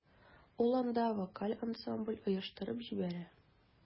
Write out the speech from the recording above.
Ул анда вокаль ансамбль оештырып җибәрә.